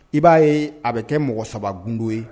I b'a ye a bɛ kɛ mɔgɔ saba gundo ye